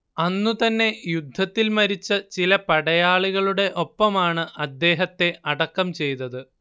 അന്നു തന്നെ യുദ്ധത്തിൽ മരിച്ച ചില പടയാളികളുടെ ഒപ്പമാണ് അദ്ദേഹത്തെ അടക്കം ചെയ്തത്